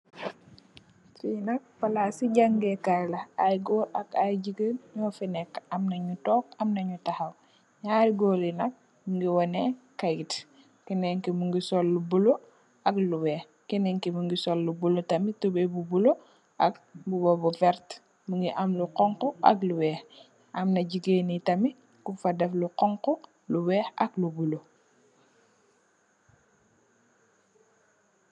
Lee nak plase jagekay la aye goor ak aye jegain nufe neka amna nu tonke amna nu tahaw nyari goor ye nak nuge waneh kayet ku neke muge sol lu bulo ak lu weex kenen ke muge sol tubaye bu bulo ak muba bu verte muge am lu xonxo ak lu weex amna jegain ye tamin kufa def lu xonxo lu weex ak lu bulo.